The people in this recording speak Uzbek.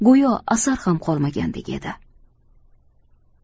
go'yo asar ham qolmagandek edi